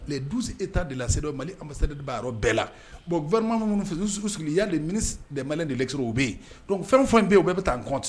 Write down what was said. Du e ta de layi mali a de bɛ yɔrɔ bɛɛ la bɔn vma minnu fɛsu sigi ya de le o bɛ yen dɔn fɛn fɛn bɛ yen o bɛɛ bɛ taa n kɔn